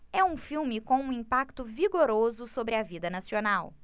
é um filme com um impacto vigoroso sobre a vida nacional